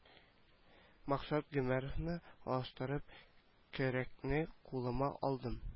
Максат гомәровны алыштырып көрәкне кулыма алдым